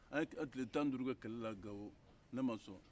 an ye tile tan ni duuru kɛ kɛlɛ la gawo ne ma sɔn